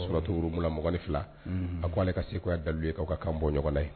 Surɔtu mulugu la 22,unhun, a ko ale ka se ko la dalilu ye ka kan bɔ ɲɔgɔnna ye